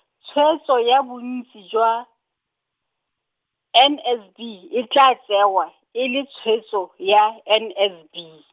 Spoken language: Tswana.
tshwetso ya bontsi jwa, N S B e tla tsewa, e le tshwetso, ya N S B.